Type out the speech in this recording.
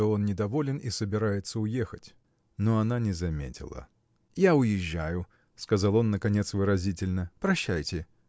что он недоволен и сбирается уехать. Но она не заметила. – Я уезжаю! – сказал он наконец выразительно. – Прощайте!